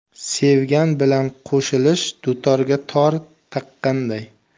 sevgan bilan qo'shilish dutorga tor taqqanday